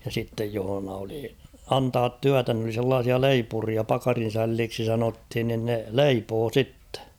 ja sitten jossa oli antaa työtä ne olivat sellaisia leipureita pakarinsälleiksi sanottiin niin ne leipoi sitten